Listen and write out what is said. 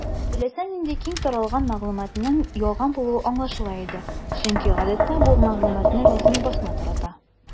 Теләсә нинди киң таралган мәгълүматның ялган булуы аңлашыла иде, чөнки гадәттә бу мәгълүматны рәсми басма тарата.